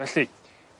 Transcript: felly